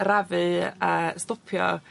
arafu a stopio